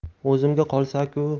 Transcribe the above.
o'zimga qolsa ku